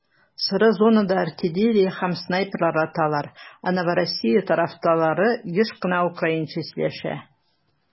Соры зонада артиллерия һәм снайперлар аталар, ә Новороссия тарафтарлары еш кына украинча сөйләшә.